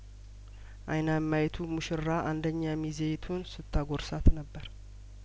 አይናማዪቱ ሙሽራ አንደኛ ሚዜዪቱን ስታጐርሳት ነበር